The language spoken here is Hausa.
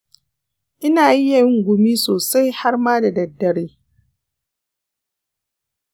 ina yin gumi sosai har ma da daddare.